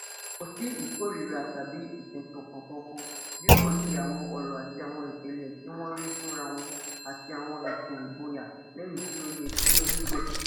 Kò sì ìkórìíra tàbí ìfẹ̀sùnkàn kankan, bí kò ṣe àwọn ọ̀rọ̀ àti àwọn ìṣẹ̀lẹ̀ tí wọ́n rí fúnra wọn àti àwọn ìtàn ìgboyà lèyí tí ó yẹ kí ó rí bẹ́ẹ̀.